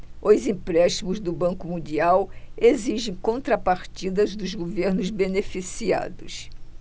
os empréstimos do banco mundial exigem contrapartidas dos governos beneficiados